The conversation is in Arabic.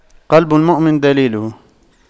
قلب المؤمن دليله